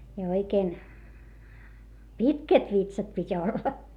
ja oikein pitkät vitsat piti olla